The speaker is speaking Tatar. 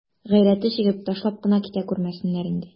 Гайрәте чигеп, ташлап кына китә күрмәсеннәр инде.